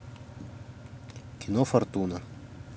кино фортуна